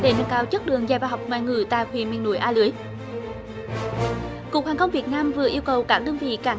để nâng cao chất lượng dạy và học ngoại ngữ tại huyện miền núi a lưới cục hàng không việt nam vừa yêu cầu các đơn vị cảng